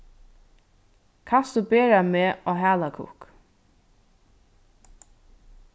kanst tú bera meg á halakukk